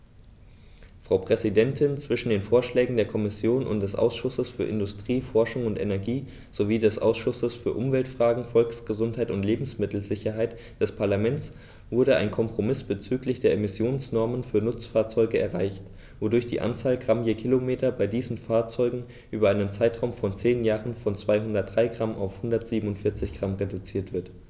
Frau Präsidentin, zwischen den Vorschlägen der Kommission und des Ausschusses für Industrie, Forschung und Energie sowie des Ausschusses für Umweltfragen, Volksgesundheit und Lebensmittelsicherheit des Parlaments wurde ein Kompromiss bezüglich der Emissionsnormen für Nutzfahrzeuge erreicht, wodurch die Anzahl Gramm je Kilometer bei diesen Fahrzeugen über einen Zeitraum von zehn Jahren von 203 g auf 147 g reduziert wird.